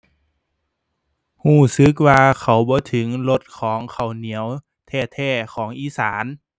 รู้สึกว่าเข้าบ่ถึงรสของข้าวเหนียวแท้แท้ของอีสาน